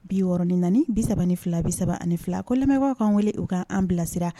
Biɔrɔnin naani bi saba ni fila bi saba ani fila ko lamɛnbagaw ka kan wele u'an bilasira